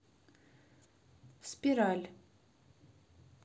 спираль